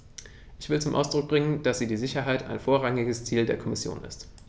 Ich will zum Ausdruck bringen, dass die Sicherheit ein vorrangiges Ziel der Kommission ist.